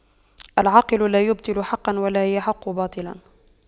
العاقل لا يبطل حقا ولا يحق باطلا